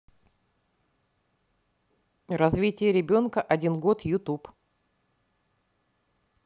развитие ребенка один год ютуб